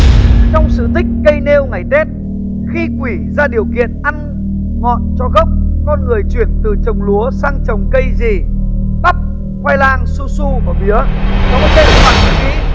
trong sự tích cây nêu ngày tết khi quỷ ra điều kiện ăn ngọn cho gốc con người chuyển từ trồng lúa sang trồng cây gì bắp khoai lang su su và mía